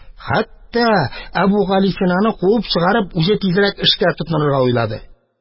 Хәтта, әбүгалисинаны куып чыгарып, үзе тизрәк эшкә тотынырга уйлады.